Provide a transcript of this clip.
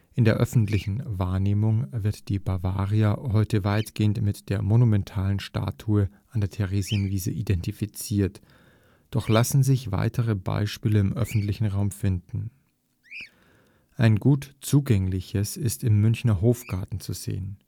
In der öffentlichen Wahrnehmung wird die Bavaria heute weitgehend mit der monumentalen Statue an der Theresienwiese identifiziert, doch lassen sich weitere Beispiele im öffentlichen Raum finden. Ein gut zugängliches ist im Münchner Hofgarten zu sehen